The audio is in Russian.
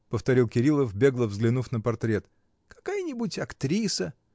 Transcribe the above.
— повторил Кирилов, бегло взглянув на портрет. — Какая-нибудь актриса.